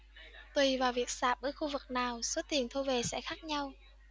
tùy vào việc sạp ở khu vực nào số tiền thu về sẽ khác nhau